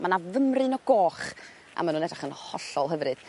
ma' 'na fymryn o goch a ma' nw'n edrych yn hollol hyfryd.